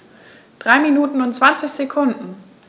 3 Minuten und 20 Sekunden